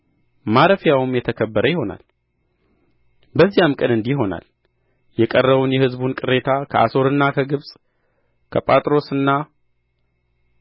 ማረፊያውም የተከበረ ይሆናል በዚያም ቀን እንዲህ ይሆናል የቀረውን የሕዝቡን ቅሬታ ከአሦርና ከግብጽ ከጳትሮስና